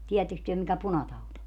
tiedättekös te mikä punatauti on